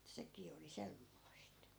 sekin oli semmoista